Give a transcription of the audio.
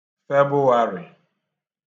Febụwarị̀